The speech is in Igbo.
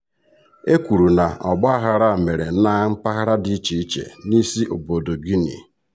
E kwuru na ọgbaghara mere na mpaghara dị iche iche n'isi obodo Guinea.